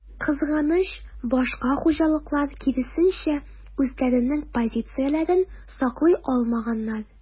Кызганыч, башка хуҗалыклар, киресенчә, үзләренең позицияләрен саклый алмаганнар.